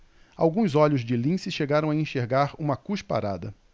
alguns olhos de lince chegaram a enxergar uma cusparada